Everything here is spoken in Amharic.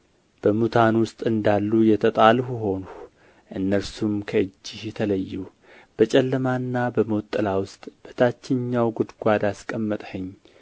በሙታን ውስጥ እንዳሉ የተጣልሁ ሆንሁ እነርሱም ከእጅህ ተለዩ በጨለማና በሞት ጥላ ውስጥ በታችኛው ጕድጓድ አስቀመጥኸኝ በእኔ ላይ ቍጣህ ጸና መቅሠፍትህን ሁሉ